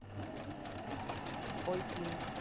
ой пинк